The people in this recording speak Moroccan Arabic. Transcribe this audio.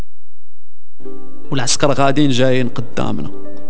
معسكر كادينزا وين قدامنا